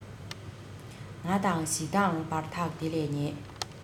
ང དང ཞེ སྡང བར ཐག དེ ལས ཉེ